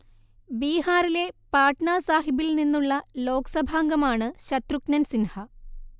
ബീഹാറിലെ പാട്ന സാഹിബിൽ നിന്നുള്ള ലോക്സഭാംഗമാണ് ശത്രുഘ്നൻ സിൻഹ